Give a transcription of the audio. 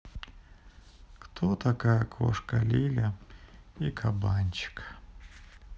кто такая кошка лиля и кабанчик